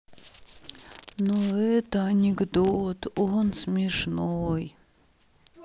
но это анекдот он смешной